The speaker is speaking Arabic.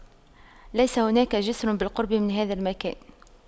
ليس هناك جسر بالقرب من هذا المكان